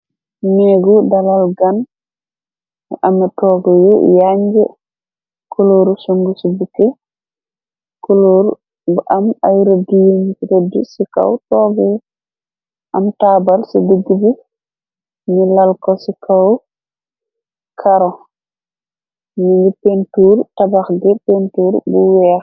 Néegu dalal gan mu ame toog yi yañge kulooru sung cu buke kuloor bu am ay rëddiyi n rëdd ci kaw tooge am taabar ci di g bi ni lalko ci kaw caro ni ngi pentuur tabax di pentur bu weex.